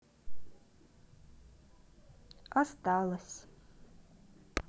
осталось